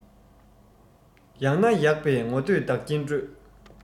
ཡག ན ཡག པས ངོ བསྟོད བདག རྐྱེན སྤྲོད